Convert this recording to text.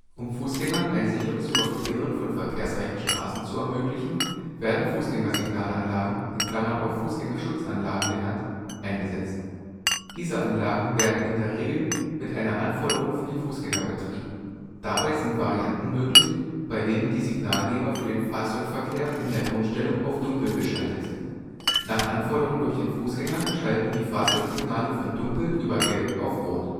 Um Fußgängern ein sicheres Überqueren von verkehrsreichen Straßen zu ermöglichen werden Fußgängersignalanlagen (auch „ Fußgängerschutzanlagen “genannt) eingesetzt. Diese Anlagen werden in der Regel mit einer Anforderung für die Fußgänger betrieben. Dabei sind Varianten möglich, bei denen die Signalgeber für den Fahrzeugverkehr in der Grundstellung auf „ Dunkel “geschaltet sind. Nach Anforderung durch den Fußgänger schalten die Fahrzeugsignale von Dunkel über Gelb auf Rot